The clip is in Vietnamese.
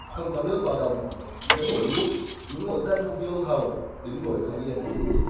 không có nước vào đồng giữa mùa lũ những hộ dân như ông hồng đứng ngồi không yên